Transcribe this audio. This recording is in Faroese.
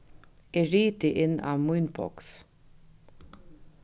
eg riti inn á mínboks